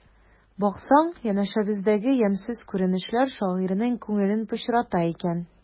Баксаң, янәшәбездәге ямьсез күренешләр шагыйрьнең күңелен пычрата икән.